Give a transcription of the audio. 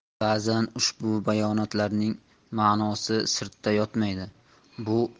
ba'zan ushbu bayonotlarning ma'nosi sirtda yotmaydi bu